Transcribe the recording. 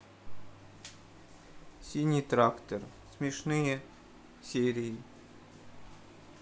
синий трактор смешные серии